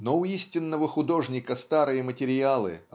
но у истинного художника старые материалы